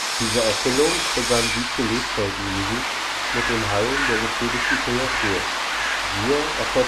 Diese Erfüllung begann wie zu Lebzeiten Jesu mit dem Heilen der geschädigten Kreatur (Apg